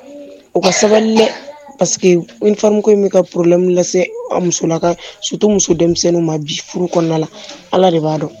O ka sabali dɛ, parce que uniforme ko in bɛ ka problème lase anw musola kaw, surtout muso denmisɛnnin ma bi furu kɔnɔna la , allah de b'a dɔn.